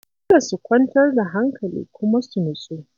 Dole su kwantar da hankali kuma su nitsu."